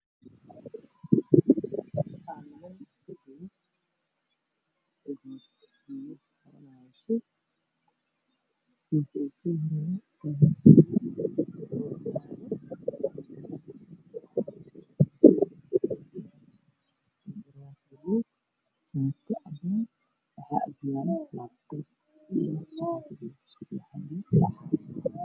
Meeshaan waxaa joogo niman maxay wataan suudaan yihiin madow madow biyo ah waxaa hor yaalla computer madow nin ayaa hadlayo kuraasta way cadda